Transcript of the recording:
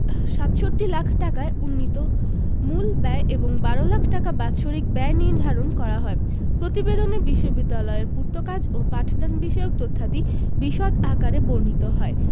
৬৭ লাখ ঢাকায় উন্নীত মূল ব্যয় এবং ১২ লাখ টাকা বাৎসরিক ব্যয় নির্ধারণ করা হয় প্রতিবেদনে বিশ্ববিদ্যালয়ের পূর্তকাজ ও পাঠদানবিষয়ক তথ্যাদি বিশদ আকারে বর্ণিত হয়